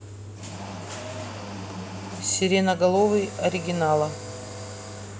сиреноголовый оригинала